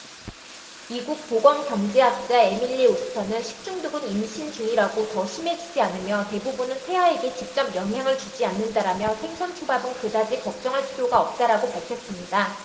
미국 보건경제학자 에밀리 오스터는 식중독은 임신 중이라고 더 심해지지 않으며 대부분은 태아에게 직접 영향을 주지 않는다라며 생선초밥은 그다지 걱정할 필요가 없다라고 밝혔습니다